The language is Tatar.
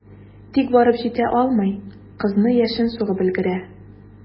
Тик барып җитә алмый, кызны яшен сугып өлгерә.